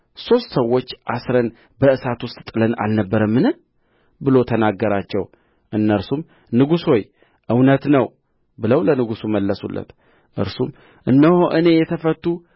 ሦስት ሰዎች አስረን በእሳት ውስጥ ጥለን አልነበረምን ብሎ ተናገራቸው እነርሱም ንጉሥ ሆይ እውነት ነው ብለው ለንጉሡ መለሱለት እርሱም እነሆ እኔ የተፈቱ